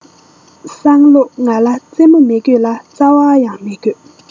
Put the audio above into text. སང ལོ ང ལ ཙེ མོ མི དགོས ལ ཙ བ ཡང མི དགོས